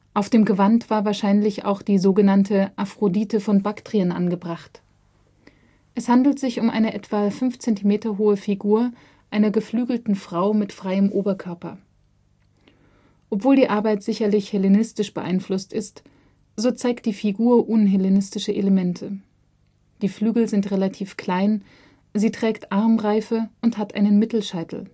Auf dem Gewand war wahrscheinlich auch die sogenannte Aphrodite von Baktrien angebracht. Es handelt sich um eine 5 cm hohe Figur einer geflügelten Frau mit freien Oberkörper. Obwohl die Arbeit sicherlich hellenistisch beeinflusst ist, so zeigt die Figur unhellenistische Elemente: die Flügel sind relativ klein, sie trägt Armreife und hat einen Mittelscheitel